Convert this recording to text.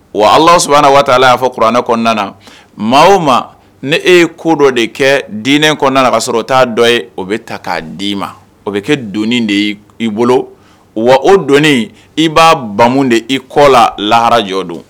Wa ala sabanan waa taa y'a fɔ kuranɛ kɔnɔna maa o ma ni e ye ko dɔ de kɛ dinɛ kɔnɔna la ka sɔrɔ o t'a dɔ ye o bɛ ta k'a d'i ma o bɛ kɛ don de i bolo wa o don i b'a ba de i kɔ la lahara jɔ don